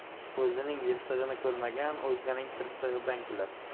o'zining yirtig'ini ko'rmagan o'zganing tirtig'idan kular